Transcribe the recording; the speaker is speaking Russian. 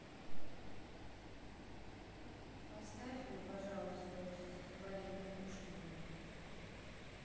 поставь мне пожалуйста стихотворение пушкина